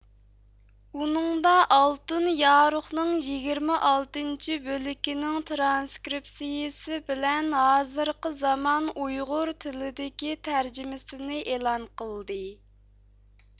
ئۇنىڭدا ئالتۇن يارۇقنىڭ يىگىرمە ئالتىنچى بۆلىكىنىڭ ترانسكرىپسىيىسى بىلەن ھازىرقى زامان ئۇيغۇر تىلىدىكى تەرجىمىسىنى ئېلان قىلدى